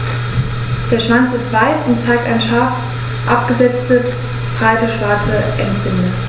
Der Schwanz ist weiß und zeigt eine scharf abgesetzte, breite schwarze Endbinde.